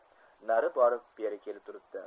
nari borib beri kelib turibdi